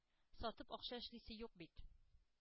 Сатып акча эшлисе юк бит.